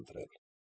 Ընտրել»։